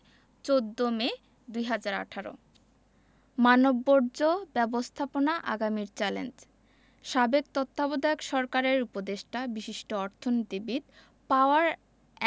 প্রকাশের সময় ১৪ মে ২০১৮ মানববর্জ্য ব্যবস্থাপনা আগামীর চ্যালেঞ্জ সাবেক তত্ত্বাবধায়ক সরকারের উপদেষ্টা বিশিষ্ট অর্থনীতিবিদ